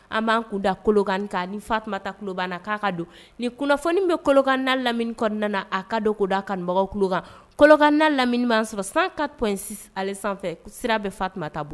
An b'an kun da kolonkan ni fatumataba k'a ka don nin kunnafoni bɛ kolokanda lamini kɔnɔna na a ka' da kanubagawkanlɔnkanda lamini'an sɔrɔ san ka tɔ sanfɛ sira bɛ fatumata bɔ